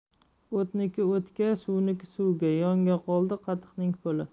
o'tniki o'tga suvniki suvga yonga qoldi qatiqning puli